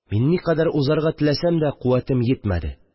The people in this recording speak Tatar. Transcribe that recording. Мин никадәр узарга теләсәм дә, куәтем йитмәде